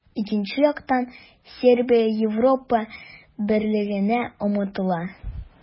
Икенче яктан, Сербия Европа Берлегенә омтыла.